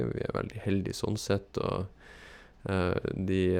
Vi er veldig heldig sånn sett, og de...